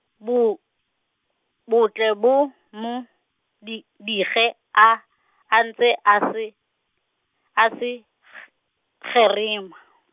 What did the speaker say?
bo, bo tle bo, mo, di dige a, a ntse a se, a se, g-, gerima.